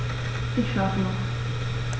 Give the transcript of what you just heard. Ich schlafe noch.